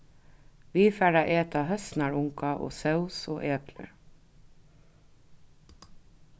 vit fara at eta høsnarunga og sós og eplir